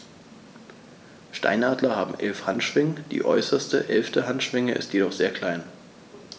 Steinadler haben 11 Handschwingen, die äußerste (11.) Handschwinge ist jedoch sehr klein.